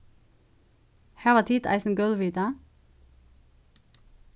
hava tit eisini gólvhita